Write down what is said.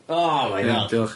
O my God. Iawn diolch.